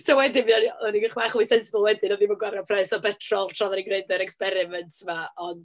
So wedyn, fuon ni, oedden ni chydig bach mwy sensible wedyn, o'n ni'm yn gwario pres o betrol tra oedden ni'n wneud y experiments 'ma, ond...